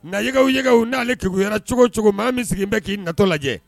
Na yɛkɛw yɛkɛw n'ale kekuyala cogo o cogo, maa min sigi bɛɛ k'i natɔ lajɛ